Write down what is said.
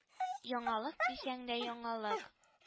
Яңалык дисәң дә яңалык